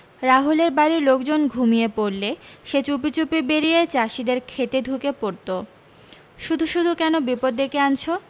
রাহুলের বাড়ীর লোকজন ঘুমিয়ে পড়লে সে চুপিচুপি বেরিয়ে চাষিদের ক্ষেতে ঢুকে পড়ত শুধু শুধু কেন বিপদ ডেকে আনছ